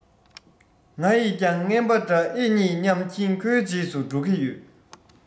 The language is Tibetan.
ང ཡིས ཀྱང རྔན པ འདྲ ཨེ རྙེད སྙམ གྱིན ཁོའི རྗེས སུ འགྲོ གི ཡོད